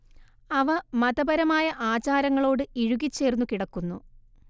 അവ മതപരമായ ആചാരങ്ങളോട് ഇഴുകിച്ചേർന്നു കിടക്കുന്നു